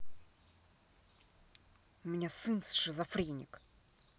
у меня сын шизофреник